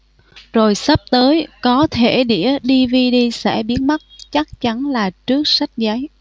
rồi sắp tới có thể đĩa dvd sẽ biến mất chắc chắn là trước sách giấy